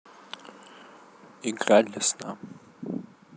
игра для сна